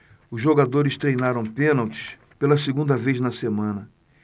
os jogadores treinaram pênaltis pela segunda vez na semana